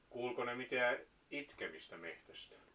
kuuliko ne mitään itkemistä metsästä